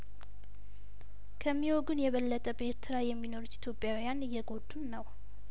ከሚ ወጉን የበለጠ በኤርትራ የሚኖሩት ኢትዮጵያውያን እየጐዱን ነው